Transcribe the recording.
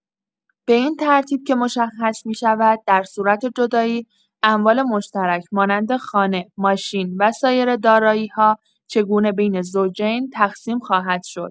به این ترتیب که مشخص می‌شود در صورت جدایی، اموال مشترک مانند خانه، ماشین و سایر دارایی‌ها چگونه بین زوجین تقسیم خواهد شد.